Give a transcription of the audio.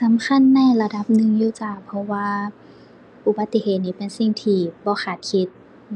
สำคัญในระดับหนึ่งอยู่จ้า เพราะว่าอุบัติเหตุนี้เป็นสิ่งที่บ่คาดคิด